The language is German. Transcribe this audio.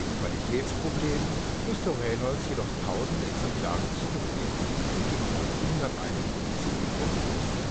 Qualitätsproblemen musste Reynolds jedoch tausende Exemplare zurücknehmen und ging 1951 in Konkurs